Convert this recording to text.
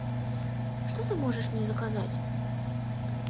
что ты можешь мне заказать